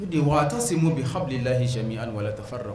U wa semu bɛ ha lahie min ali wale dafa fari dɔrɔn